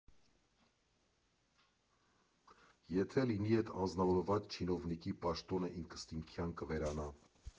Եթե լինի, էդ անձնավորված չինովնիկի պաշտոնը ինքնըստինքյան կվերանա։